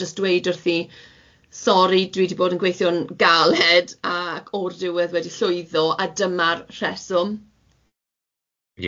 jys dweud wrthi sori dwi di bod yn gweithio'n galed ac o'r diwedd wedi llwyddo a dyma'r rheswm.